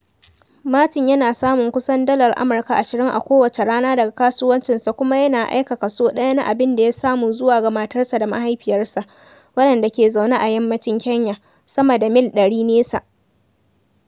Martin yana samun kusan dalar Amurka $20 a kowace rana daga kasuwancinsa kuma yana aika kaso ɗaya na abin da ya samu zuwa ga matarsa da mahaifiyarsa, waɗanda ke zaune a Yammacin Kenya, sama da mil 100 nesa.